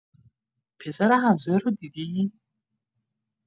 پسر همسایه رو دیدی؟